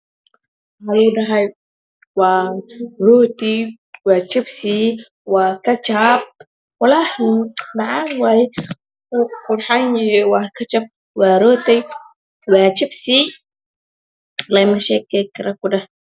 Waxa lagu dhahay waa rooti waa jibsi waa qajaar walaahi macaan waaye wuu qurxanyahaywaa kajab rootiwaa jibsi lagama sheekayn karo ku dheh